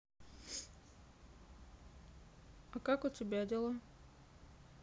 а как у тебя дела